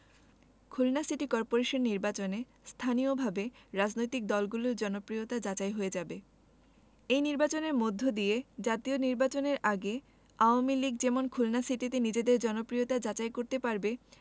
Khulna city corporation নির্বাচনে স্থানীয়ভাবে রাজনৈতিক দলগুলোর জনপ্রিয়তা যাচাই হয়ে যাবে এই নির্বাচনের মধ্য দিয়ে জাতীয় নির্বাচনের আগে আওয়ামী লীগ যেমন খুলনা সিটিতে নিজেদের জনপ্রিয়তা যাচাই করতে পারবে